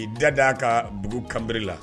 I da da'a ka bugu kanbri la